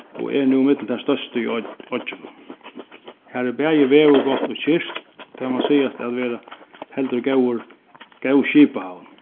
og er nú millum tær størstu í oyggjunum har er bæði veðurgott og kyrt tað má sigast at vera heldur góður góð skipahavn